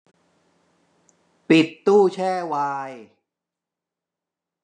ปิดตู้แช่ไวน์